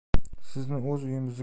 sizni o'z uyimizda